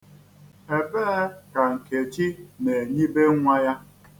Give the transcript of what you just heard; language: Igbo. Ebee ka Nkechi na-enyibe nnwa ya?